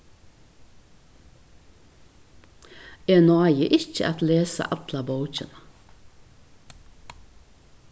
eg nái ikki at lesa alla bókina